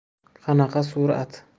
qanaqa surat